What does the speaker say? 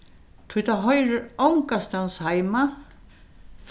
tí tað hoyrir ongastaðnis heima